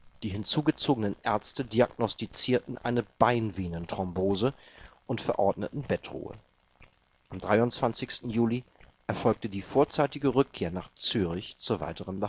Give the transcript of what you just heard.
Die hinzugezogenen Ärzte diagnostizierten eine Beinvenenthrombose und verordnete Bettruhe. Am 23. Juli erfolgte die vorzeitige Rückkehr nach Zürich zur weiteren